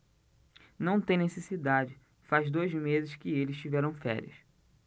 não tem necessidade faz dois meses que eles tiveram férias